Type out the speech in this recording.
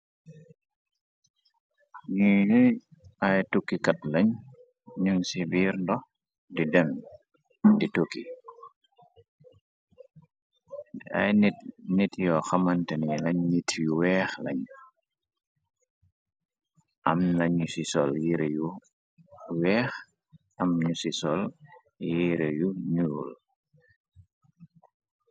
Nyeh nyeh ay tukkikat lañj ñyung ci biir ndox di dem di tukki ay nit, nit yoo xamante ni ai nit yu weex lañj am na ci sol yire yu weex am nyu ci sol yire yu nyul.